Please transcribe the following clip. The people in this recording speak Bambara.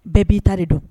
Bɛɛ b'i ta de don